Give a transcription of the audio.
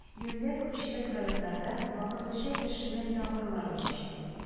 Июньдә күпчелек районнарда вакытлыча яшенле яңгырлар явачак